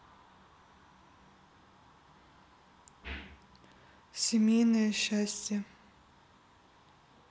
семейное счастье